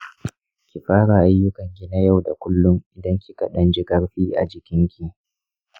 ki fara aiyukanki na yau da kullum idan kika danji karfi a jikinki.